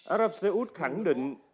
ả rập xê út khẳng định